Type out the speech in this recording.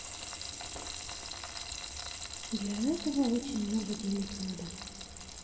для этого очень много денег надо